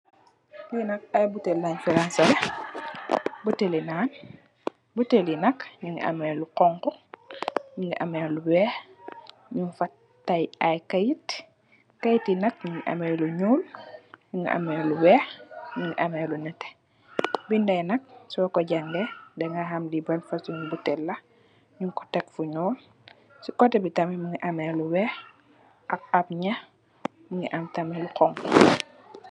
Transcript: Fi nak i butell lenj fi ransaleh butelli naan butelli nak nyungi ameh lu hunhu nyungi ameh lu weih nyungfa tai i keit, keiti nak nyungi ameh lu nyuul nyungi ameh lu weih nyungi ameh lu neteh bindai nak soko jangeh danga ham bi ban fosum butella nyungko tek fu nyuul sey koteh bi tamit Mungi ameh lu weih ak app nyah Mungi am tamit lu hunhu.